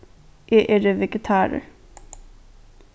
eg eri vegetarur